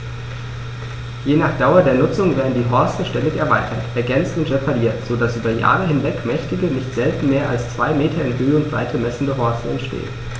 Je nach Dauer der Nutzung werden die Horste ständig erweitert, ergänzt und repariert, so dass über Jahre hinweg mächtige, nicht selten mehr als zwei Meter in Höhe und Breite messende Horste entstehen.